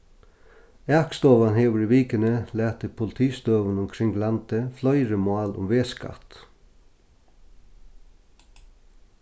akstovan hevur í vikuni latið politistøðunum kring landið fleiri mál um vegskatt